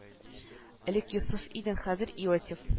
Элек йосыф идең хәзер иосиф